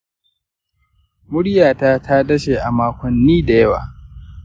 muryata ta disashe a makonni da yawa.